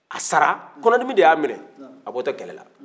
a sara kɔnɔdimi de y'a minɛ a bɔtɔ kɛlɛ la